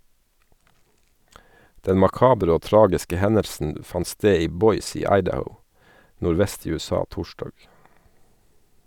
Den makabre og tragiske hendelsen fant sted i Boise i Idaho, nordvest i USA, torsdag.